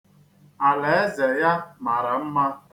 Alaeze ya mara mma.